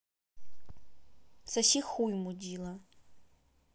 соси хуй мудила